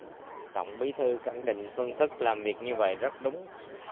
tổng bí thư khẳng định phương thức làm việc như vậy rất đúng